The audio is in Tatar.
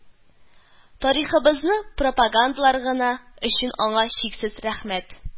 Тарихыбызны пропагандалаганы өчен аңа чиксез рәхмәт